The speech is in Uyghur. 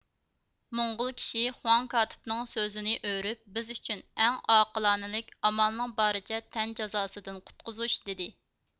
موڭغۇل كىشى خۇاڭ كاتىپنڭ سۆزىنى ئۆرۈپ بىز ئۈچۈن ئەڭ ئاقلانىلىك ئامالنىڭ بارىچە تەن جازاسىدىن قۇتقۇزۇش دىدى